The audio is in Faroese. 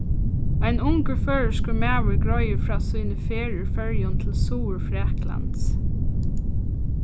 ein ungur føroyskur maður greiðir frá síni ferð úr føroyum til suðurfraklands